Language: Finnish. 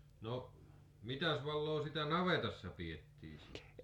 no mitäs valoa sitä navetassa pidettiin sitten